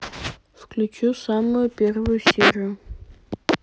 включи самую первую серию